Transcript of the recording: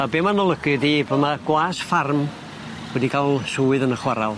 A be' ma'n olygu ydi bo' ma' gwas ffarm wedi ca'l swydd yn y chwaral.